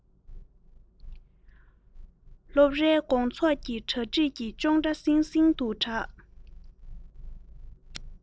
སློབ རའི དགོང ཚོགས ཀྱི གྲ སྒྲིག གི ཅོང སྒྲ སིང སིང དུ གྲགས